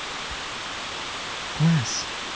класс